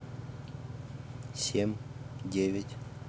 семь девять